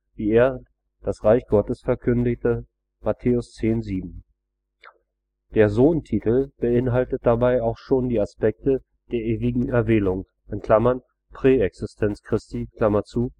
wie er, das Reich Gottes verkündeten (Mt 10,7). Der „ Sohn “- Titel beinhaltete dabei auch schon die Aspekte der ewigen Erwählung (Präexistenz Christi), Präsenz